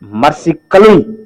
Mars kalo in